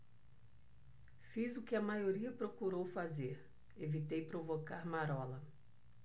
fiz o que a maioria procurou fazer evitei provocar marola